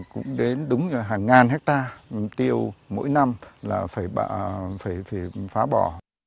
cũng đến đúng hàng ngàn héc ta rừng tiêu mỗi năm là phải phải phải phá bỏ